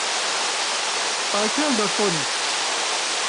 เปิดเครื่องดูดฝุ่น